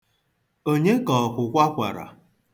Onye ka ọkwụkwa kwara?